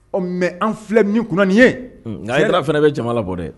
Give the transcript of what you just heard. Ɔ mɛ an filɛ min ni kunna nin ye nka yɛrɛ fana bɛ jamana bɔ dɛ